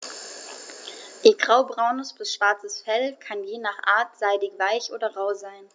Ihr graubraunes bis schwarzes Fell kann je nach Art seidig-weich oder rau sein.